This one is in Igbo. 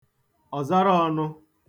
ọ̀zaraọ̄nụ̄